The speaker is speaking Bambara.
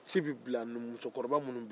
ci bɛ bila numumusokɔrɔ minnu bɛ yen